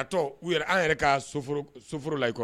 Ka tɔ u an yɛrɛ ka soforo la kɔrɔ